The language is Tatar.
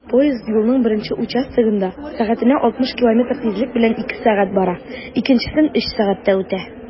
Поезд юлның беренче участогында 60 км/сәг тизлек белән 2 сәг. бара, икенчесен 3 сәгатьтә үтә.